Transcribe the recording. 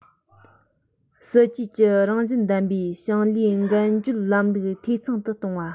སྲིད ཇུས ཀྱི རང བཞིན ལྡན པའི ཞིང ལས འགན བཅོལ ལམ ལུགས འཐུས ཚང དུ གཏོང བ